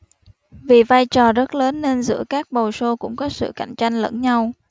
vì vai trò rất lớn nên giữa các bầu sô cũng có sự cạnh tranh lẫn nhau